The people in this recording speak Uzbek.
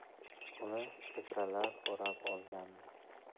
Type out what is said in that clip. uni kakralar o'rab olgandi